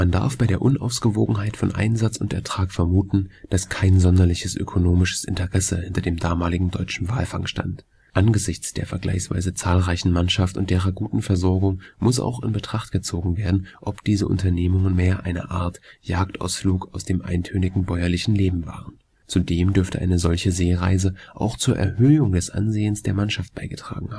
darf bei der Unausgewogenheit von Einsatz und Ertrag vermuten, dass kein sonderliches ökonomisches Interesse hinter dem damaligen deutschen Walfang stand. Angesichts der vergleichsweise zahlreichen Mannschaft und deren guter Versorgung muss auch in Betracht gezogen werden, ob diese Unternehmungen mehr eine Art Jagdausflug aus dem eintönigen bäuerlichen Leben waren. Zudem dürfte eine solche Seereise auch zur Erhöhung des Ansehens der Mannschaft beigetragen